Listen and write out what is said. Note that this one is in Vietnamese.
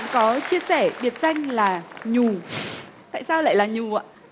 có chia sẻ biệt danh là nhù tại sao lại là nhù ạ